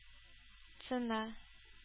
Цена